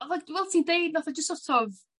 fel ti'n deud nath o jyst sort of